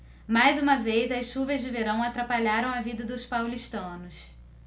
mais uma vez as chuvas de verão atrapalharam a vida dos paulistanos